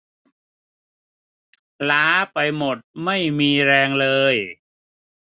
ล้าไปหมดไม่มีแรงเลย